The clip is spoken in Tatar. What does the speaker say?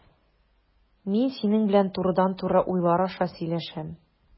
Мин синең белән турыдан-туры уйлар аша сөйләшәм.